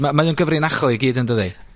...ma' mae o'n gyfrinachol i gyd yndydi?